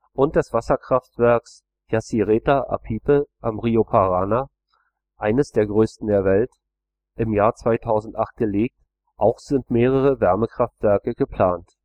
und des Wasserkraftwerks Yacyretá-Apipé am Río Paraná – eines der größten der Welt – im Jahr 2008 gelegt, auch sind mehrere Wärmekraftwerke geplant